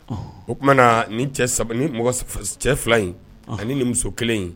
O tuma na ni cɛ fila in ani ni muso kelen in